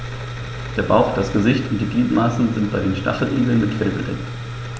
Der Bauch, das Gesicht und die Gliedmaßen sind bei den Stacheligeln mit Fell bedeckt.